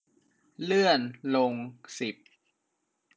เลื่อนลงสิบ